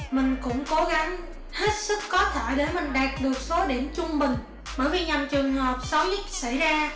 mình cũng cố gắng hết sức có thể để mình có thể đạt được số điểm trung bình bởi vì nhằm trường hợp xấu nhất xảy ra